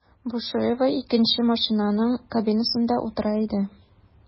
Бушуева икенче машинаның кабинасында утыра иде.